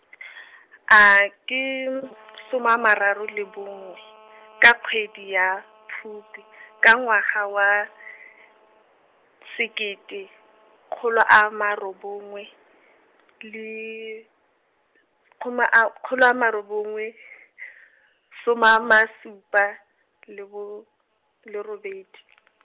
ke, soma a mararo le bongwe, ka kgwedi ya, Phukwi, ka ngwaga wa , sekete, kgolo a maro bongwe , le, kgomo a, kgolo a maro bongwe , some ama supa le bo, le robedi.